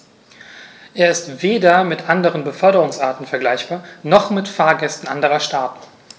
Er ist weder mit anderen Beförderungsarten vergleichbar, noch mit Fahrgästen anderer Staaten.